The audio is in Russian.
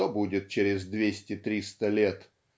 что будет через двести-триста лет